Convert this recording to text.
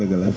dëgg la